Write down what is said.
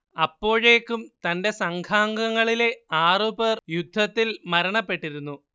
അപ്പോഴേക്കും തന്റെ സംഘാംങ്ങളിലെ ആറു പേർ യുദ്ധത്തിൽ മരണപ്പെട്ടിരുന്നു